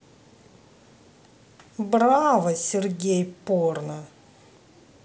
браво сергей порно